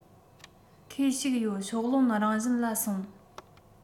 ཁོས ཞིག ཡོད ཕྱོགས ལྷུང རང བཞིན ལ སོང